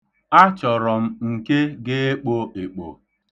Achọrọ m nke ga-ekpo ekpo.